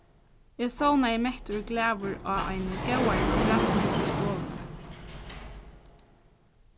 eg sovnaði mettur og glaður á eini góðari madrassu í stovuni